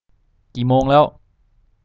กี่โมงแล้ว